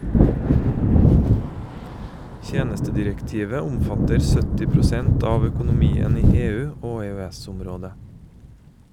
- Tjenestedirektivet omfatter 70 prosent av økonomien i EU og EØS-området.